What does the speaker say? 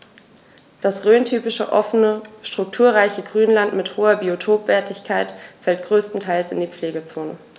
Das rhöntypische offene, strukturreiche Grünland mit hoher Biotopwertigkeit fällt größtenteils in die Pflegezone.